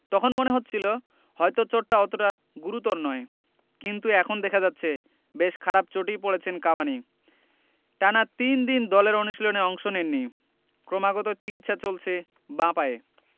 তখন মনে হচ্ছিল হয়তো চোটটা অতটা গুরুতর নয় কিন্তু এখন দেখা যাচ্ছে বেশ খারাপ চোটেই পড়েছেন কাভানি টানা তিন দিন দলের অনুশীলনে অংশ নেননি ক্রমাগত চিকিৎসা চলছে বাঁ পায়ে